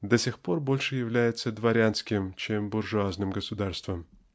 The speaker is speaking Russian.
до сих пор больше является дворянским чем буржуазным государством.